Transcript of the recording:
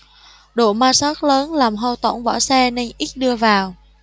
độ ma sát lớn làm hao tổn vỏ xe nên ít đưa vào